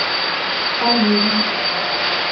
а евро